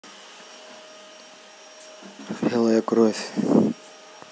белая кровь